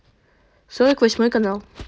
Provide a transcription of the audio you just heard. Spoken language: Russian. сорок восьмой канал